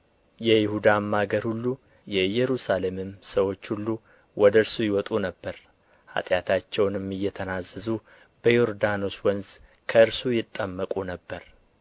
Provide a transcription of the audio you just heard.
የይሁዳም አገር ሁሉ የኢየሩሳሌምም ሰዎች ሁሉ ወደ እርሱ ይወጡ ነበር ኃጢአታቸውንም እየተናዘዙ በዮርዳኖስ ወንዝ ከእርሱ ይጠመቁ ነበር